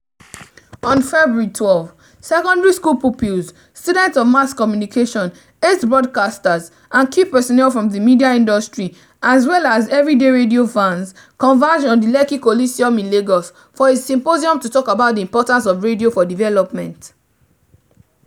On February 12, secondary school pupils, students of mass communication, ace broadcasters and key personnel from the media industry as well as everyday radio fans converged on the Lekki Coliseum in Lagos for a symposium to talk about the importance of radio for development.